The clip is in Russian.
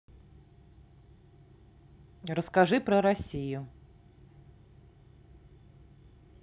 расскажи про россию